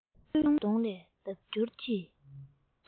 གཅུང མོའི གདོང ལས ལྡབ འགྱུར གྱིས